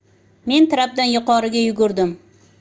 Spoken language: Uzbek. men trapdan yuqoriga yugurdim